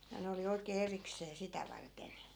ja ne oli oikein erikseen sitä varten